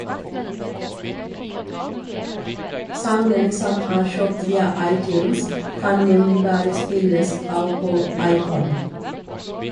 Sangene som er kjøpt via iTunes, kan nemlig bare spilles av på iPod.